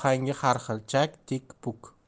xil chak tikpuk